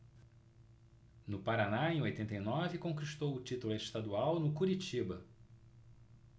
no paraná em oitenta e nove conquistou o título estadual no curitiba